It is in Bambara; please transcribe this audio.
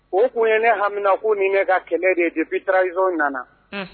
O kun ye ne hamina k ko ni ne ka kɛlɛ de ye de bitarazo nana